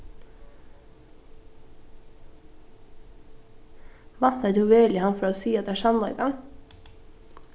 væntaði tú veruliga at hann fór at siga tær sannleikan